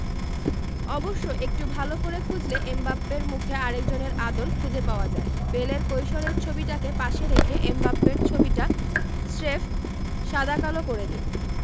অবশ্য একটু ভালো করে খুঁজলে এমবাপ্পের মুখে আরেকজনের আদল খুঁজে পাওয়া যায় পেলের কৈশোরের ছবিটাকে পাশে রেখে এমবাপ্পের ছবিটা স্রেফ সাদা কালো করে দিন